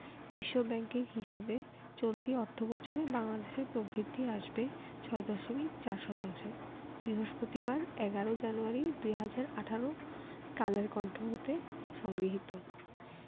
বিশ্বব্যাংকের হিসাবে চলতি অর্থবছরে বাংলাদেশের প্রবৃদ্ধি আসবে ৬.৪ শতাংশ বৃহস্পতিবার ১১ জানুয়ারি ২০১৮ কালের কন্ঠ হতে সংগৃহীত